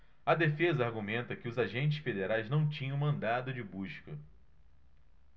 a defesa argumenta que os agentes federais não tinham mandado de busca